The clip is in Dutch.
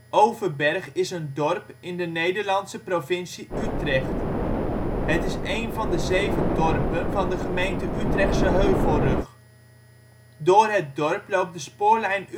Overberg is een dorp in de Nederlandse provincie Utrecht. Het is één van de zeven dorpen van de gemeente Utrechtse Heuvelrug. Door het dorp loopt de spoorlijn